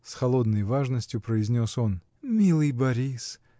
— с холодной важностью произнес он. — Милый Борис!